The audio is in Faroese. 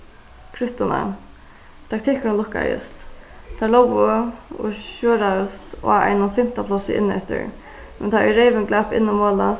krúttunna taktikkurin lukkaðist leir lógu og sjoraðust á einum fimta plássi inneftir men tá ið reyvin glapp inn um molan